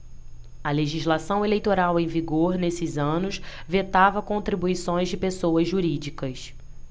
a legislação eleitoral em vigor nesses anos vetava contribuições de pessoas jurídicas